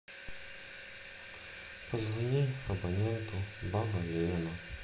позвони абоненту баба лена